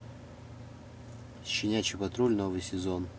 щенячий патруль новый сезон